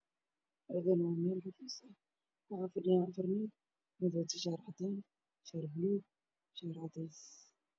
Halkaan waxaa ka muuqdo nin dhalinyaro ah oo qabo shaati cadays ah